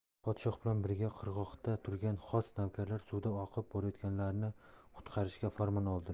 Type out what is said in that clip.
podshoh bilan birga qirg'oqda turgan xos navkarlar suvda oqib borayotganlarni qutqarishga farmon oldilar